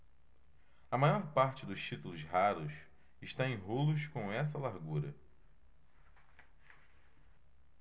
a maior parte dos títulos raros está em rolos com essa largura